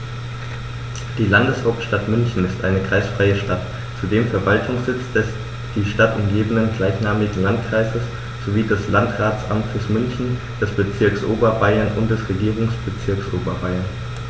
Die Landeshauptstadt München ist eine kreisfreie Stadt, zudem Verwaltungssitz des die Stadt umgebenden gleichnamigen Landkreises sowie des Landratsamtes München, des Bezirks Oberbayern und des Regierungsbezirks Oberbayern.